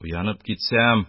Уянып китсәм,